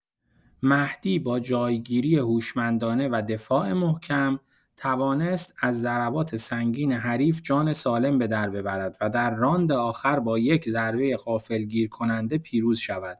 مهدی با جای‌گیری هوشمندانه و دفاع محکم، توانست از ضربات سنگین حریف جان سالم به درببرد و در راند آخر با یک ضربه غافلگیرکننده پیروز شود.